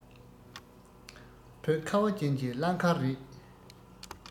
བོད ཁ བ ཅན གྱི བླ མཁར རེད